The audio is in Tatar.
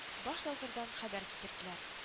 Баш дозордан хәбәр китерделәр